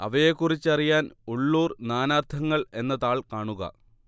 അവയെക്കുറിച്ചറിയാൻ ഉള്ളൂർ നാനാർത്ഥങ്ങൾ എന്ന താൾ കാണുക